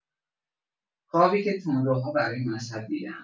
خوابی که تندروها برای مشهد دیده‌اند